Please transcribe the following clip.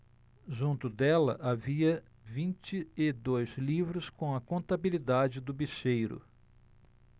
junto dela havia vinte e dois livros com a contabilidade do bicheiro